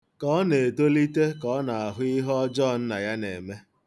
Ka ọ na-etolite ka ọ na-ahụ ihe ọjọọ nna ya na-eme.